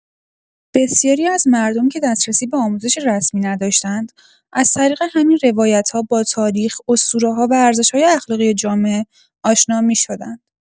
بسیاری از مردم که دسترسی به آموزش رسمی نداشتند، از طریق همین روایت‌ها با تاریخ، اسطوره‌ها و ارزش‌های اخلاقی جامعه آشنا می‌شدند.